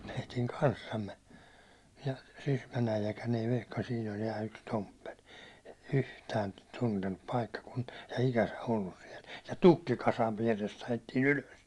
meidän kanssamme ja Sysmän äijäkään ei vehka siinä oli ja yksi tomppeli yhtään tuntenut paikkakuntaa ja ikänsä ollut siellä ja tukkikasan vierestä ajettiin ylös